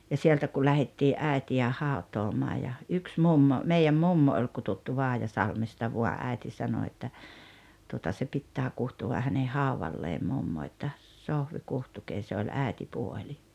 ja sieltä kun lähdettiin äitiä hautaamaan ja yksi mummo meidän mummo oli kutsuttu Vaajasalmesta vain äiti sanoi että tuota se pitää kutsua hänen haudalleen mummo että Sohvi kutsukaa se oli äitipuoli